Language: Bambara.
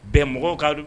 Bɛn mɔgɔw ka don